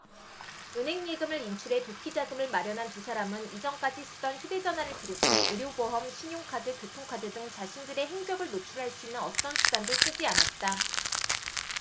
은행 예금을 인출해 도피자금을 마련한 두 사람은 이전까지 쓰던 휴대전화를 비롯해 의료보험 신용카드 교통카드 등 자신들의 행적을 노출할 수 있는 어떤 수단도 쓰지 않았다